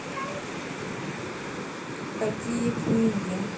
какие книги